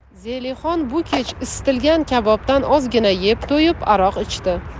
zelixon bu kech isitilgan kabobdan ozgina yeb to'yib aroq ichdi